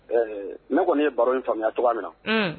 Ɛɛ ne kɔni e ye baro in faamuyaya tɔgɔ min na